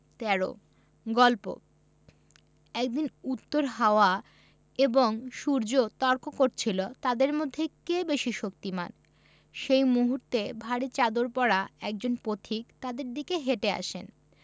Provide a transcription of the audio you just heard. ১৩ গল্প একদিন উত্তর হাওয়া এবং সূর্য তর্ক করছিল তাদের মধ্যে কে বেশি শক্তিমান সেই মুহূর্তে ভারি চাদর পরা একজন পথিক তাদের দিকে হেটে আসেন